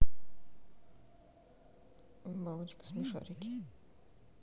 бабочка смешарики